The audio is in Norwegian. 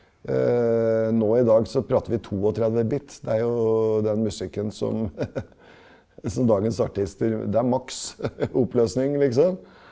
nå i dag så prater vi 32 bit, det er jo den musikken som som dagens artister det er maks oppløsning liksom.